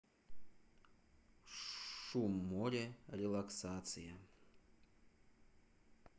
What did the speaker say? шум моря релаксация